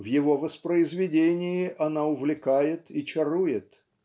В его воспроизведении она увлекает и чарует.